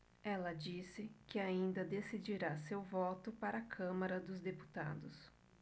ela disse que ainda decidirá seu voto para a câmara dos deputados